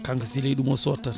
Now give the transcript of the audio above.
kanko Sileye ɗum o sottata